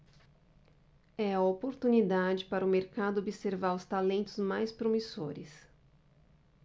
é a oportunidade para o mercado observar os talentos mais promissores